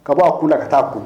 Ka bɔ kun na ka taa kun